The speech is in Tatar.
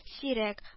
Сирәк